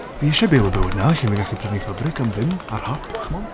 Fi isie byw y bywyd 'na lle fi'n gallu prynu fabric am ddim, ar hap, chimod?